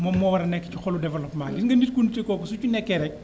moom moo war a nekk ci xolu développement gis nga nit ku nite kooku su ci nekkee rek